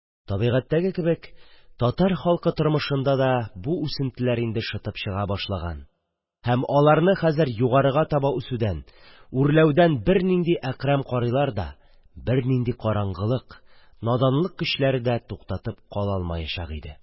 Тәбигатьтәге кебек, татар халкы тормышында да бу үсентеләр инде шыта башлаган, һәм аларны хәзер югарыга таба үсүдән, үрләүдән бернинди Әкрәм карыйлар да, бернинди караңгылык, наданлык көчләре дә туктатып кала алмаячак иде.